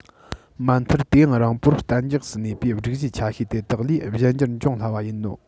མ མཐར དུས ཡུན རིང པོར བརྟན འཇགས སུ གནས པའི སྒྲིག གཞིའི ཆ ཤས དེ དག ལས གཞན འགྱུར འབྱུང སླ བ ཡིན ནོ